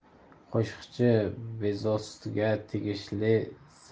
qoshiqchi bezosga tegishli the